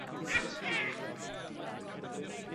A pwy bynnag… Dwi'n treiglo i ŵan.